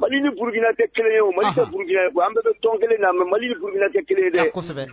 mali ni burukinatɛ kelen ye o mali buru an bɛ dɔn kelen na an mɛ mali ni buruuguinajɛ kelen ye dɛ